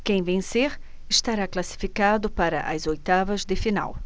quem vencer estará classificado para as oitavas de final